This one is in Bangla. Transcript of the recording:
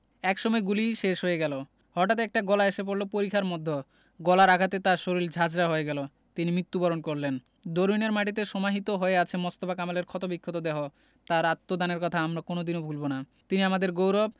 একসময় গুলি শেষ হয়ে গেল হটাঠ একটা গোলা এসে পড়ল পরিখার মধ্যে গোলার আঘাতে তার শরীর ঝাঁঝরা হয়ে গেল তিনি মৃত্যুবরণ করলেন দরুইনের মাটিতে সমাহিত হয়ে আছে মোস্তফা কামালের ক্ষতবিক্ষত দেহ তাঁর আত্মদানের কথা আমরা কোনো দিন ভুলব না তিনি আমাদের গৌরব